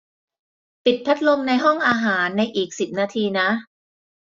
ปิดพัดลมในห้องอาหารในอีกสิบนาทีนะ